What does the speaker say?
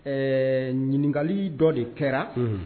Ɛɛ ɲininkakali dɔ de kɛra